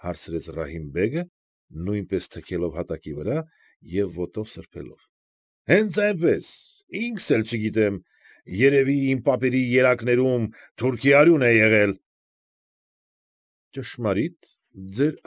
Հարցրեց Ռահիմ֊բեգը, նույնպես թքելով հատակի վրա և ոտով սրբելով։ ֊ Հենց այնպես, ինքս էլ չգիտեմ, երևի իմ պապերի երակներում թուրքի արյուն է եղել։ ֊ Ճշմարիտ, ձեր։